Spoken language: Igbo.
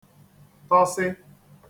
tọsị